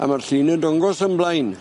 A ma'r llun yn dwngos yn blaen.